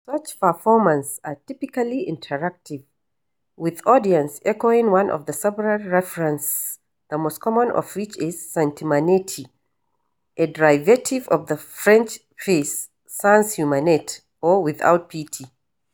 Such performances are typically interactive, with audiences echoing one of several refrains, the most common of which is "Santimanitay!", a derivative of the French phrase “sans humanité”, or “without pity”.